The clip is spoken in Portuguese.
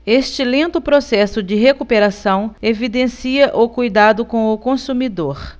este lento processo de recuperação evidencia o cuidado com o consumidor